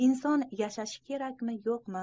inson yashashi kerakmi yo'qmi